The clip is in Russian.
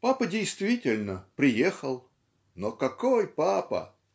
Папа действительно приехал, но какой папа!